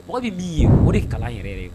Mɔgɔ bi min ye, o de ye kalan yɛrɛ yɛrɛ ye.